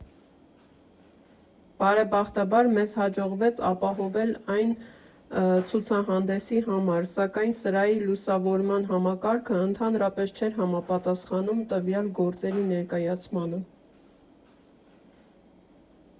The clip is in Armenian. Բարեբախտաբար, մեզ հաջողվեց ապահովել այն ցուցահանդեսի համար, սակայն սրահի լուսավորման համակարգը ընդհանրապես չէր համապատասխանում տվյալ գործերի ներկայացմանը։